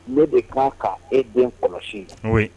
Ne de kan k' e den kɔlɔsi ye